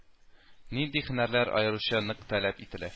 Нинди һөнәрләр аеруча нык таләп ителә